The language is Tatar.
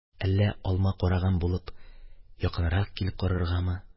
Әллә, алма караган булып, якынрак килеп караргамы?